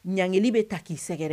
Ɲli bɛ ta k'i sɛgɛrɛ